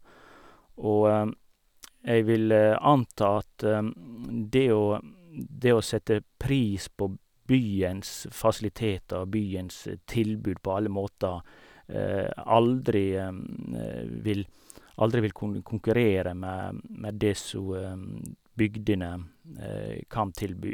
Og jeg vil anta at det å det å sette pris på byens fasiliteter og byens tilbud på alle måter, aldri vil aldri vil kunne konkurrere med med det som bygdene kan tilby.